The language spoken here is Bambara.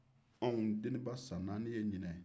deniba san naani ye ɲinɛn ye